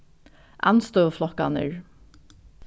andstøðuflokkarnir